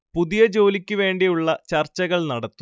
പുതിയ ജോലിക്ക് വേണ്ടി ഉള്ള ചർച്ചകൾ നടത്തും